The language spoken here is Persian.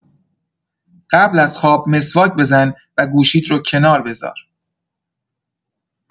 قبل از خواب مسواک بزن و گوشیت رو کنار بذار